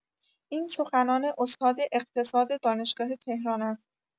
این سخنان استاد اقتصاد دانشگاه تهران است.